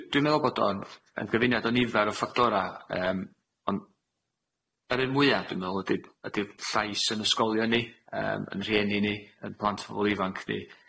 D- dwi dwi'n me'wl bod o'n yn gyfuniad o nifer o ffactora yym ond yr un mwya dwi'n me'wl ydi ydi'r llais 'yn ysgolion ni yym 'yn rhieni ni 'yn plant a pobol ifanc ni,